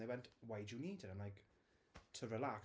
And they went, "why do you need it?" And I'm like; "to relax."